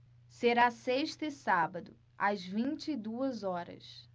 será sexta e sábado às vinte e duas horas